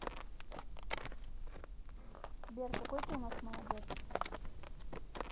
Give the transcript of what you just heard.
сбер какой ты у нас молодец